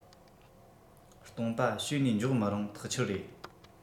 སྟོང པ བྱོས ནས འཇོག མི རུང ཐག ཆོད རེད